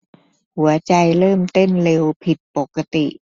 หัวใจเริ่มเต้นเร็วผิดปกติ